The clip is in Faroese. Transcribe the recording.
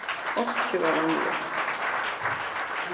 einki var vanligt